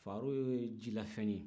faaro ye jilafɛn ye